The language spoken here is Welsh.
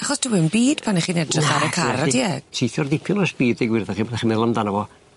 Achos dyw e 'im byd pan 'ych chi'n edrych ar y car odi e? Teithio dipyn o spîd deu gwir 'tho chi pe chi'n meddwl amdano fo.